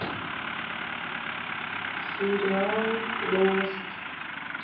сериал лост